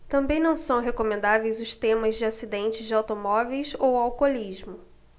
também não são recomendáveis os temas de acidentes de automóveis ou alcoolismo